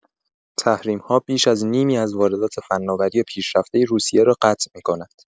تحریم‌ها بیش از نیمی از واردات فناوری پیشرفته روسیه را قطع می‌کند.